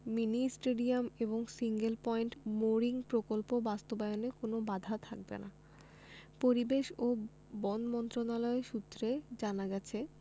mini stadium এবং single point mooring প্রকল্প বাস্তবায়নে কোনো বাধা থাকবে না পরিবেশ ও বন মন্ত্রণালয় সূত্রে জানা গেছে